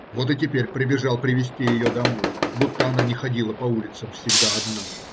Вот и теперь побежал привести ее домой, будто она не ходила по улицам всегда одна!